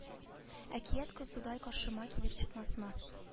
Әкият кызыдай каршыма килеп чыкмасмы